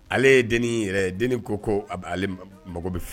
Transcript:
Ale ye den ko ko a mago bɛ fɛ